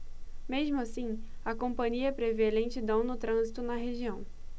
mesmo assim a companhia prevê lentidão no trânsito na região